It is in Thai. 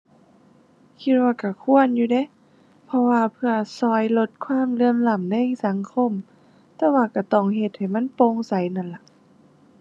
คิดว่าก็ควรอยู่เดะ เพราะว่าเพื่อก็ลดความเหลื่อมล้ำในสังคม แต่ว่าก็ต้องเฮ็ดให้มันโปร่งใสนั่นล่ะ